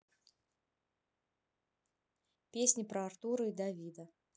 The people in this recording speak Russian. песни про артура и давида